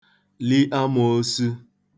li amōōsū